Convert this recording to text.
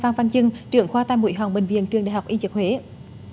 phan văn chương trưởng khoa tai mũi họng bệnh viện trường đại học y dược huế